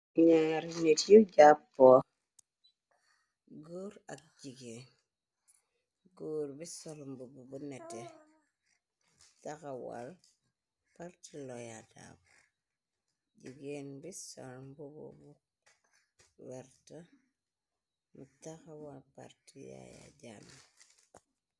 Naari nitt yu japu góor ak jigéen góor bi sol mbubu bu nete taxawal parti loya darboe jigeen bi sol mbubu bu werta mo taxawal parti Yaya Jammeh.